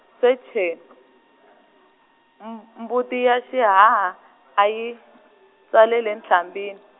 secheni , m- mbuti ya xihaha, a yi , tswaleli entlhambini.